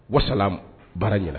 Wasa baara ɲɛna